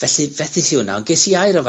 Felly, fethes i wnna. Ond ges i air efo...